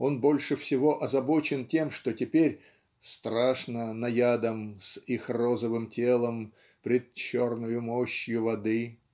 он больше всего озабочен тем что теперь "страшно наядам с их розовым телом пред черною мощью воды"